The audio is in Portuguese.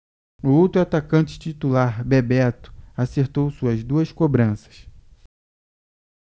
o outro atacante titular bebeto acertou suas duas cobranças